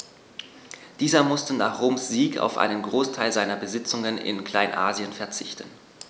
Dieser musste nach Roms Sieg auf einen Großteil seiner Besitzungen in Kleinasien verzichten.